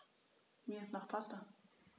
Mir ist nach Pasta.